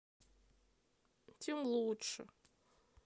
тем лучше